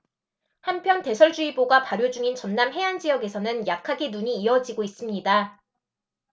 한편 대설주의보가 발효 중인 전남 해안 지역에서는 약하게 눈이 이어지고 있습니다